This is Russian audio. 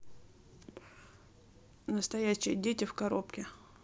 настоящие дети в коробке